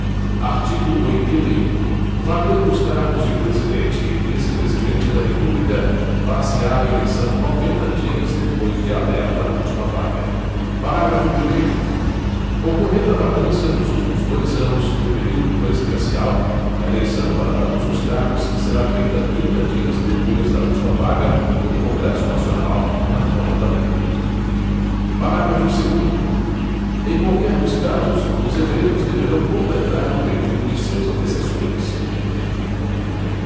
artigo oitenta e um vagando os cargos de presidente e vice presidente da república far se á eleição noventa dias depois de aberta a última vaga parágrafo primeiro ocorrendo a vacância nos últimos dois anos do período presidencial a eleição para ambos os cargos será feita trinta dias depois da última vaga pelo congresso nacional na forma da lei parágrafo segundo em qualquer dos casos os eleitos deverão completar o período de seus antecessores